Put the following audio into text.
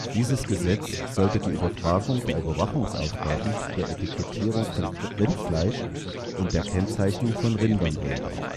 Dieses Gesetz sollte die Übertragung der Überwachungsaufgaben der Etikettierung von Rindfleisch und der Kennzeichnung von Rindern regeln